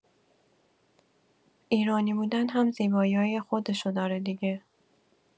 ایرانی بودن هم زیبایی‌های خودشو داره دیگه.